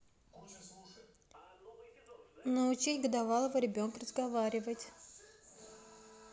научить годовалого ребенка разговаривать